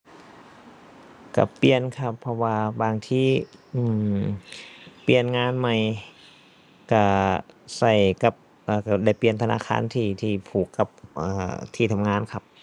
ก็เปลี่ยนครับ เพราะว่าบางที อือ เปลี่ยนงานใหม่ก็ก็กับ เอ่อ ก็ได้เปลี่ยนธนาคาร ที่ ที่ผูกกับ เอ่อ ที่ทำงานครับ